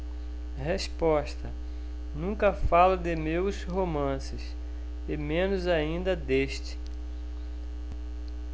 resposta nunca falo de meus romances e menos ainda deste